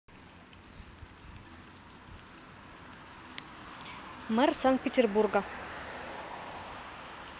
мэр санкт петербурга